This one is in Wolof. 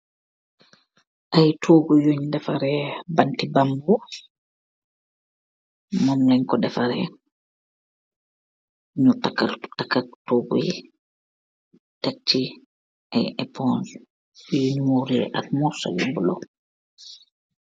Aiy togu yun defareh banti bamboo, mom len ko defareh, nyu takat takat togu yi, tek chi aiy eponse yun mureh ak morso yu blue.